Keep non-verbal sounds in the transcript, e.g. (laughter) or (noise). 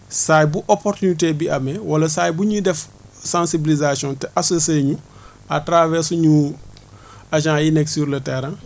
saa bu opportunité bi amee wala saa bu ñuy def sensibilisation te associer ñu (breath) à travers suñu (breath) agents yi nekk sur le terrain